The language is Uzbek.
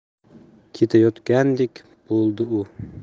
ketayotgandek bo'ldi u